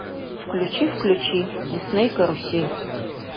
включи включи дисней карусель